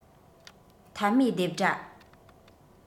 ཐལ མོའི རྡེབ སྒྲ